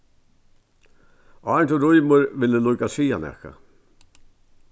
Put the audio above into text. áðrenn tú rýmir vil eg líka siga nakað